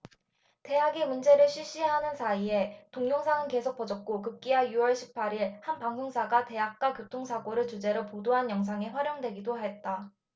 대학이 문제를 쉬쉬하는 사이에 동영상은 계속 퍼졌고 급기야 유 월 십 팔 일 한 방송사가 대학가 교통사고를 주제로 보도한 영상에 활용되기도 했다